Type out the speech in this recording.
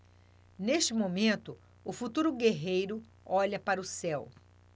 neste momento o futuro guerreiro olha para o céu